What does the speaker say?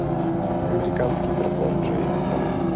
американский дракон джейк лонг